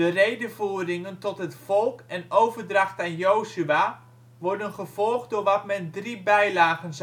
redevoeringen tot het volk en overdracht aan Jozua worden gevolgd door wat men drie bijlagen